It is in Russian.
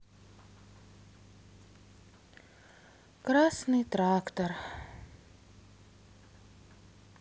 красный трактор